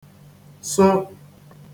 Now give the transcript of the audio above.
so